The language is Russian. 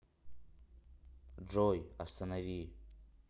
джой останови